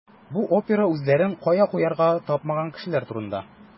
Бу опера үзләрен кая куярга тапмаган кешеләр турында.